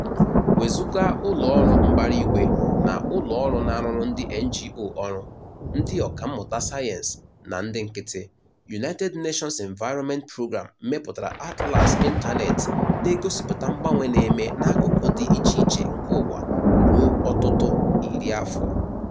Wezuga ụlọọrụ mbaraigwe na ụlọọrụ na-arụrụ ndị NGO ọrụ, ndị ọkàmmụta sayensị na ndị nkịtị, United Nations Environment Programme mepụtara atlas ịntaneetị na-egosịpụta mgbanwe na-eme n'akụkụ dị icheiche nke ụwa ruo ọtụtụ iri afọ.